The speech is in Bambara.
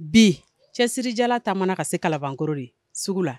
Bi cɛsirijala taama ka se kalabankoro de sugu la